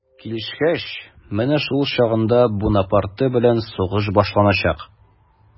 Килешкәч, менә шул чагында Бунапарте белән сугыш башланачак.